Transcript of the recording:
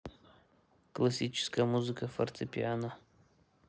классическая музыка фортепиано